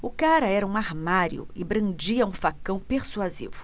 o cara era um armário e brandia um facão persuasivo